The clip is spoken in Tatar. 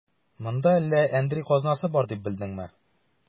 Монда әллә әндри казнасы бар дип белдеңме?